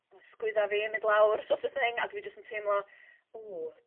ma' sgwydda fi yn mynd lawr sort of thing a dwi jys yn teimlo w.